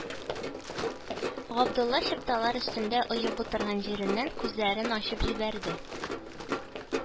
Габдулла чыпталар өстендә оеп утырган җиреннән күзләрен ачып җибәрде